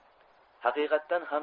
haqiqatan ham